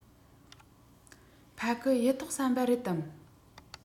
ཕ གི གཡུ ཐོག ཟམ པ རེད དམ